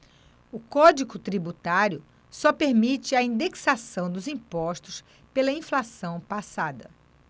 o código tributário só permite a indexação dos impostos pela inflação passada